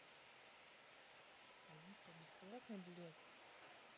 алиса бесплатной блядь